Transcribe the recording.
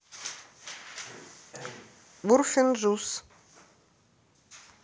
урфин джюс